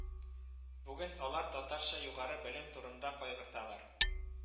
Бүген алар татарча югары белем турында кайгырталар